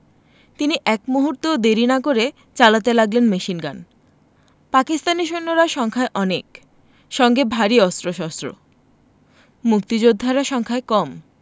তিনি এক মুহূর্তও দেরি না করে চালাতে লাগলেন মেশিনগান পাকিস্তানি সৈন্যরা সংখ্যায় অনেক সঙ্গে ভারী অস্ত্রশস্ত্র মুক্তিযোদ্ধারা সংখ্যায় কম